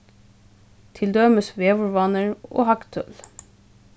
til dømis veðurvánir og hagtøl